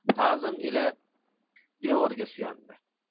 ta'zim ila devorga suyandi